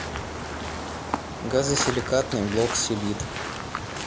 газосиликатный блок силит